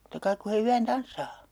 totta kai kun he yön tanssaa